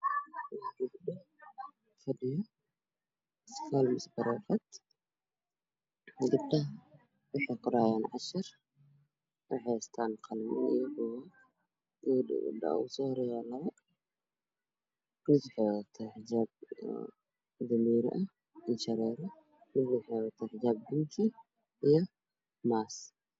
Waa gabdho fadhiyo iskool ama barando gabdha waxay qoraayaan cashir waxay haystaan qaliman oyo buugag gabadha ugu soo horeeyo waa labo mid waxay watadaa xijaab dabeeri ah iyo indho shareero midna xijaab binki iyo maas.